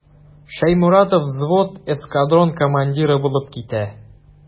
Шәйморатов взвод, эскадрон командиры булып китә.